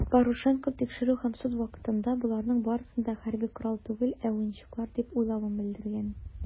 Парушенков тикшерү һәм суд вакытында, боларның барысын да хәрби корал түгел, ә уенчыклар дип уйлавын белдергән.